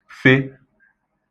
fe